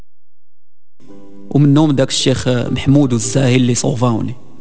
ومن الشيخ محمود الساعي اللي سوف هنا